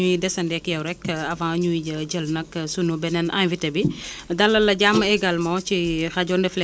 loolu am na mais pour ma dellusiwaat tuuti rek ci li sama collègue Khoulé waoon sànq ci choix wu variété yi